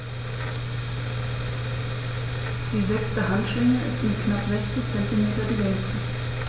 Die sechste Handschwinge ist mit knapp 60 cm die längste.